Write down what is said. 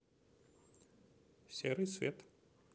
серый свет